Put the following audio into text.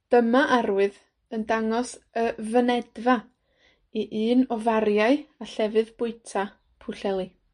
Dyma arwydd yn dangos y fynedfa i un o fariau, a llefydd bwyta Pwllheli.